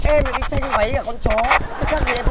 em lại đi tranh váy với cả con chó thế khác gì em